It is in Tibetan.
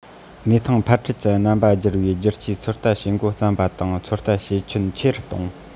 གནས ཐང འཕར ཁྲལ གྱི རྣམ པ སྒྱུར བའི བསྒྱུར བཅོས ཚོད ལྟ བྱེད འགོ བརྩམས པ དང ཚོད ལྟ བྱེད ཁྱོན ཆེ རུ བཏང